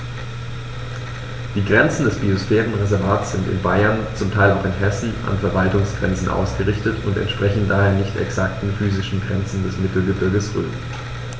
Die Grenzen des Biosphärenreservates sind in Bayern, zum Teil auch in Hessen, an Verwaltungsgrenzen ausgerichtet und entsprechen daher nicht exakten physischen Grenzen des Mittelgebirges Rhön.